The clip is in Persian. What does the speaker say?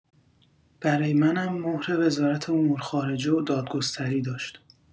برای منم مهر وزارت امور خارجه و دادگستری داشت.